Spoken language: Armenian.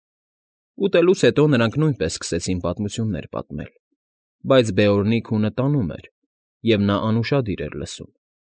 Ուտելուց հետո նրանք նույնպես սկսեցին պատմություններ պատմել, բայց Բեորնի քունը տանում էր, և նա անուշադիր էր լսում։